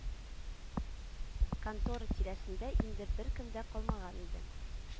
Контора тирәсендә инде беркем дә калмаган иде